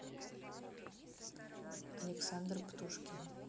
александр птушкин